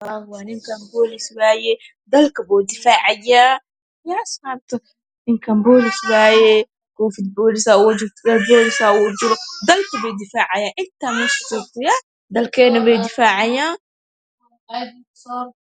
Waa ninkaan boolis waaye dalka buu difaacayaa yaa asxaabta ninkaan boolis waaye kofiyad boolis aa ugu jurta surwaal jeemis baa ugu jurta dalki bay difaacayaan intaan meesha joogta yaah dalkeena bey difacayaan